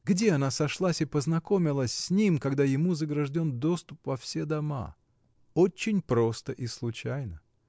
Где она сошлась и познакомилась с ним, когда ему загражден доступ во все дома? Очень просто и случайно.